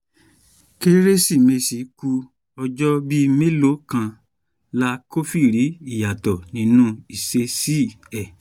”Kérésìmesì ku ọjọ́ bíi mélòó kan la kófìrí ìyàtọ̀ nínú ìṣesí ẹ̀.